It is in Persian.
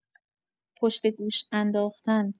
پشت گوش انداختن